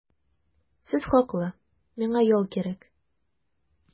Сез хаклы, миңа ял кирәк.